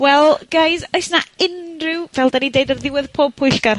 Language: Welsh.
Wel, guys, oes 'na unryw, fel 'dan ni deud ar ddiwedd pob pwyllgar...